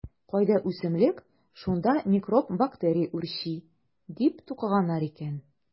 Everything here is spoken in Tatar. Кайда үсемлек - шунда микроб-бактерия үрчи, - дип тукыганнар икән.